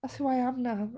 That's who I am now.